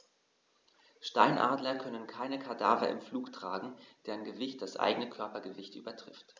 Steinadler können keine Kadaver im Flug tragen, deren Gewicht das eigene Körpergewicht übertrifft.